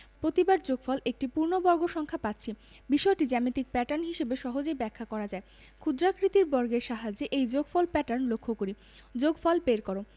প্রতিবার যোগফল একটি পূর্ণবর্গ সংখ্যা পাচ্ছি বিষয়টি জ্যামিতিক প্যাটার্ন হিসেবে সহজেই ব্যাখ্যা করা যায় ক্ষুদ্রাকৃতির বর্গের সাহায্যে এই যোগফল প্যাটার্ন লক্ষ করি যোগফল বের কর